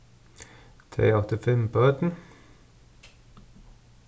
tey áttu fimm børn